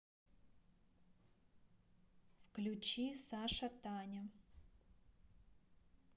включи саша таня